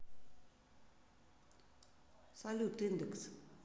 салют яндекс